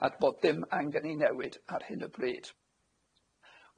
a bod dim angen ei newid ar hyn y bryd.